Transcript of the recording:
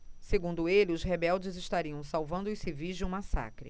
segundo ele os rebeldes estariam salvando os civis de um massacre